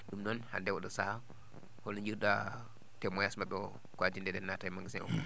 ?um noon hannde o?o sahaa holno jiiru?a témoignage ma??e o ko adii nde e?en naata e magasin o